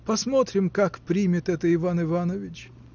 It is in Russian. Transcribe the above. — Посмотрим, как примет это Иван Иванович.